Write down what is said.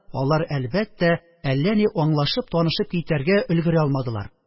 Алар, әлбәттә, әллә ни аңлашып-танышып китәргә өлгерә алмадылар